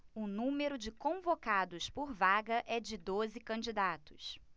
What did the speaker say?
o número de convocados por vaga é de doze candidatos